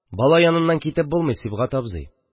– бала яныннан китеп булмый, сибгать абзый.